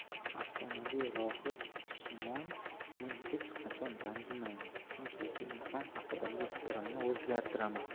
afsonaviy rohib shimo'n men hech qachon ranjimayman shunchaki inson haqidagi fikrimni o'zgartiraman